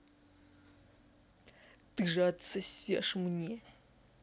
ты же отсосешь мне